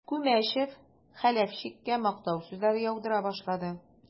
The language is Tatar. Күмәчев Хәләфчиккә мактау сүзләре яудыра башлады.